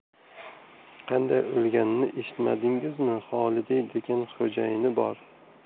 qanday o'lganini eshitmadingizmi xolidiy degan xo'jayini bor